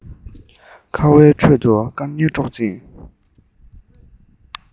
ཁ བའི ཁྲོད དུ སྐད ངན སྒྲོག ཅིང